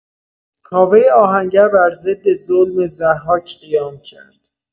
کاوۀ آهنگر بر ضد ظلم ضحاک قیام کرد.